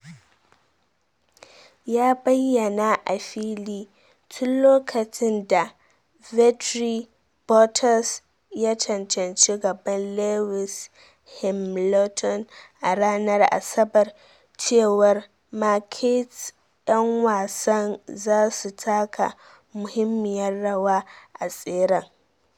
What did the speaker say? Ya bayyana a fili tun lokacin da Valtteri Bottas ya cancanci gaban Lewis Hamilton a ranar Asabar cewar Mercedes '' 'yan wasan zasu taka muhimmiyar rawa a tseren.